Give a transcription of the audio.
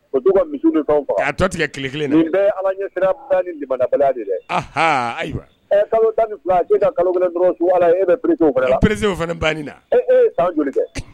O misi tigɛ ki kelen ala ɲɛ ni dɛ ayiwa kalo e perew fana ban na